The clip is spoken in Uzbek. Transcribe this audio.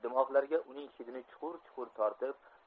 dimoqlariga uning hidini chuqur chuqur tortib